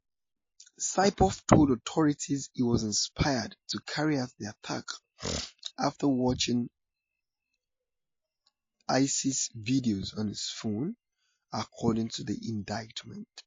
Saipov told authorities he was inspired to carry out the attack after watching ISIS videos on his phone, according to the indictment.